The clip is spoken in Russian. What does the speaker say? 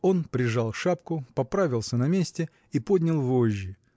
он прижал шапку, поправился на месте и поднял вожжи